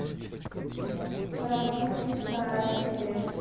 распутин вторая серия